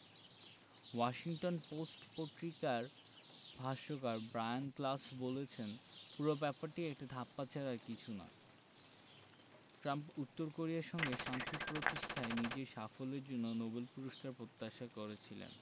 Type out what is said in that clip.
Washington Post পত্রিকার ভাষ্যকার Brian Klaas বলেছেন পুরো ব্যাপারই একটা ধাপ্পা ছাড়া আর কিছু নয় ট্রাম্প উত্তর কোরিয়ার সঙ্গে শান্তি প্রতিষ্ঠায় নিজের সাফল্যের জন্য নোবেল পুরস্কার প্রত্যাশা করেছিলেন